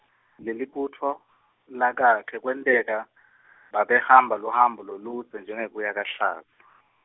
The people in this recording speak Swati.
Lelibutfo lakakhe kwenteka babehamba luhambo loludze njengekuya kaHlatsi.